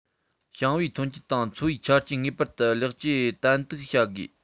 ཞིང པའི ཐོན སྐྱེད དང འཚོ བའི ཆ རྐྱེན ངེས པར དུ ལེགས བཅོས ཏན ཏིག བྱ དགོས